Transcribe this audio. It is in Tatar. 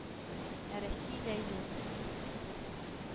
Ә Россиядә юк.